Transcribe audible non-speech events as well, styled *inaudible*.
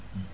*hesitation*